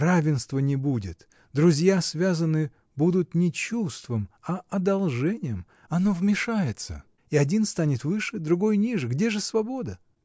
Равенства не будет, друзья связаны будут не чувством, а одолжением, оно вмешается — и один станет выше, другой ниже: где же свобода?